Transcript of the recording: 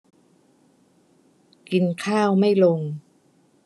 กินข้าวไม่ลง